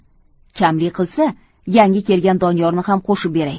kamlik qilsa yangi kelgan doniyorni ham qo'shib beray